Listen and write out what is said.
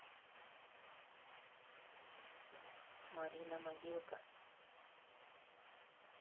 марина могилка